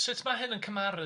Sut ma' hyn yn cymharu?